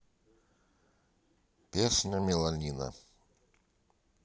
песня миланина